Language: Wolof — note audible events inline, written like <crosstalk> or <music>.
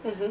<hesitation> <hesitation>